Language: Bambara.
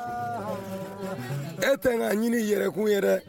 E tɛ ka ɲini yɛrɛkun ye